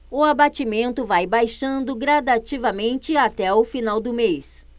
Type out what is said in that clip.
o abatimento vai baixando gradativamente até o final do mês